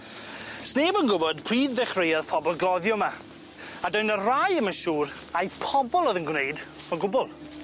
Sneb yn gwbod pryd ddechreuodd pobol gloddio 'ma a doe' 'ny rai 'im yn siŵr ai pobol o'dd yn gwneud o gwbwl.